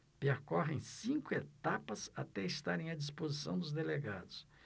percorrem cinco etapas até estarem à disposição dos delegados